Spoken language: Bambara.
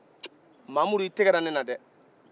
mamudu i tɛgɛra ne la dɛ